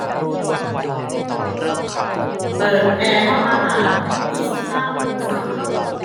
เปิดแอร์ห้องอาหารยี่สิบห้าองศา